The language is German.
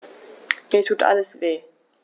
Mir tut alles weh.